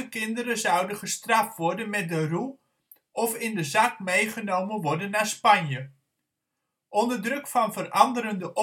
kinderen zouden gestraft worden met de roe of in de zak meegenomen worden naar Spanje. Onder druk van veranderende